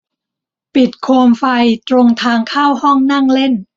ปิดโคมไฟตรงทางเข้าห้องนั่งเล่น